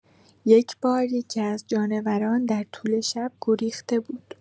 یک‌بار یکی‌از جانوران در طول شب گریخته بود.